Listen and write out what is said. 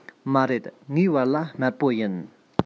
མ རེད ངའི བལ ལྭ དམར པོ ཡིན